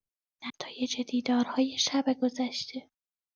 نتایج دیدارهای شب گذشته